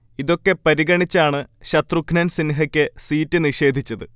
ഇതൊക്കെ പരിഗണിച്ചാണ് ശത്രുഘ്നൻ സിൻഹയ്ക്ക് സീറ്റ് നിഷേധിച്ചത്